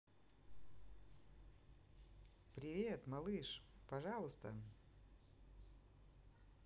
привет малыш пожалуйста